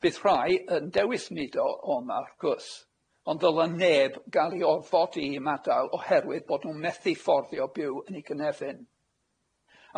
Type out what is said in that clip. Bydd rhai yn dewis mudo o 'ma wrth cws ond ddyla neb ga'l 'i orfodi i 'mada'l oherwydd bod n'w'n methu fforddio byw yn eu cynefin.